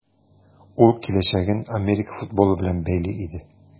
Ул киләчәген Америка футболы белән бәйли иде.